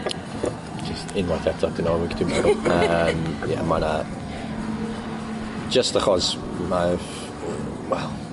Jyst unwaith eto Dinorwig dwi'n meddwl. Yym ie mae 'na... Jyst achos mae'r yy wel